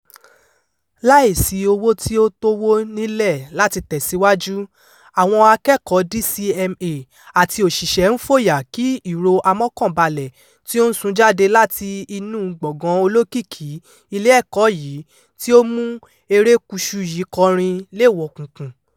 Láìsí owó tí ó tówó nílẹ̀ láti tẹ̀síwájú, àwọn akẹ́kọ̀ọ́ DCMA àti òṣìṣẹ́ ń fòyà kí ìró amọ́kànbalẹ̀ tí ó ń sun jáde láti inúu gbọ̀ngán olókìkí ilé ẹ̀kọ́ yìí tí ó mú erékùṣù yìí kọrin — leè wọ òkùnkùn.